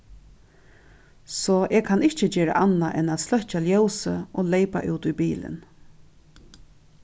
so eg kann ikki gera annað enn at sløkkja ljósið og leypa út í bilin